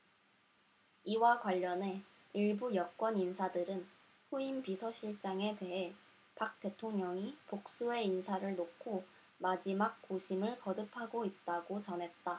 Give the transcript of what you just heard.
이와 관련해 일부 여권인사들은 후임 비서실장에 대해 박 대통령이 복수의 인사를 놓고 마지막 고심을 거듭하고 있다고 전했다